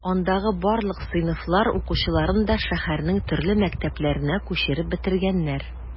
Андагы барлык сыйныфлар укучыларын да шәһәрнең төрле мәктәпләренә күчереп бетергәннәр.